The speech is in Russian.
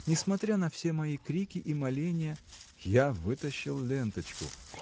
несмотря на все мои крики и моления. – Я вытащил ленточку!